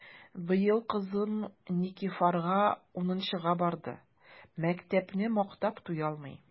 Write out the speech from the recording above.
Быел кызым Никифарга унынчыга барды— мәктәпне мактап туялмый!